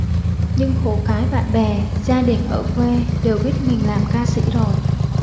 nhưng khổ cái bạn bè gia đình ở quê đều biết mình làm ca sĩ rồi